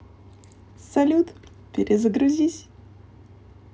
салют перезагрузись